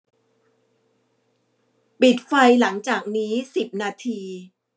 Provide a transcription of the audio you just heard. ปิดไฟหลังจากนี้สิบนาที